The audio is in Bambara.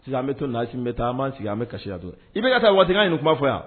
Sisan, an bɛ to nin na fɔ Asimi bɛ taa an b'a sigi, an bɛ kasi yan, IBK ka ta waati k'an ye nin kuma fɔ yan !